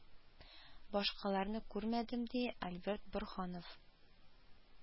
Башкаларны күрмәдем , ди Алберт Борһанов